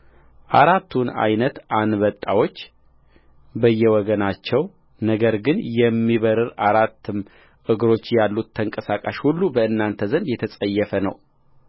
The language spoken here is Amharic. አራቱን ዓይነት አንበጣዎች በየወገናቸውነገር ግን የሚበርር አራትም እግሮች ያሉት ተንቀሳቃሽ ሁሉ በእናንተ ዘንድ የተጸየፈ ነው